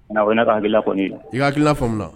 Tiɲɛn na o ye ne ka hakilila kɔni ye, i ka hakilila faamuna